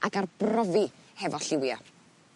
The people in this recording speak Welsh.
Ag arbrofi hefo lliwia'.